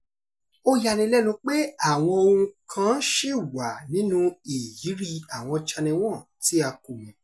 Ó yani lẹ́nu pé àwọn ohun kan ṣì wà nínú ìyírí àwọn Channel One tí a kò mọ̀.